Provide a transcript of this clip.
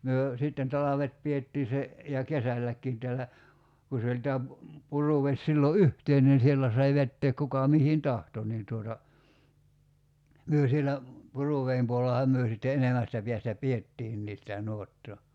me sitten talvet pidettiin se ja kesälläkin täällä kun se oli tämä - Puruvesi silloin yhteinen siellä sai vetää kuka mihin tahtoi niin tuota me siellä Puruveden puolellahan me sitten enemmästä päästä pidettiinkin sitä nuottaa